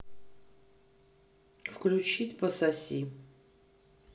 включить пососи